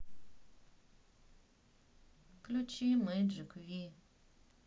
включи мэджик ви